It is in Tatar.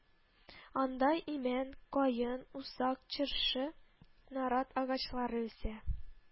Анда имән, каен, усак, чыршы, нарат агачлары үсә